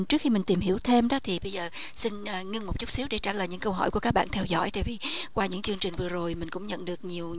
trước khi mình tìm hiểu thêm đó thì bây giờ xin ngưng một chút xíu để trả lời những câu hỏi của các bạn theo dõi tại vì qua những chương trình vừa rồi mình cũng nhận được nhiều